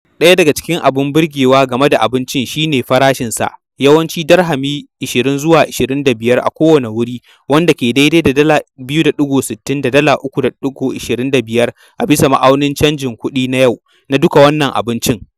Daya daga abun burgewa game da abincin shi ne farashinsa, yawanci DH 20-25 a kowanne wuri wanda ke daidai da $2.60-3.25 a bisa ma'aunin canjin kuɗi na yau - na duka wannan abincin!